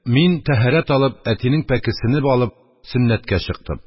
Мин, тәһарәт алып, әтинең пәкесене алып, сөннәткә чыктым.